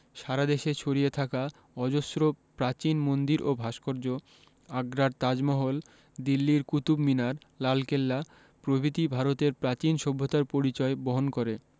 সারা দেশে ছড়িয়ে থাকা অজস্র প্রাচীন মন্দির ও ভাস্কর্য আগ্রার তাজমহল দিল্লির কুতুব মিনার লালকেল্লা প্রভৃতি ভারতের প্রাচীন সভ্যতার পরিচয় বহন করে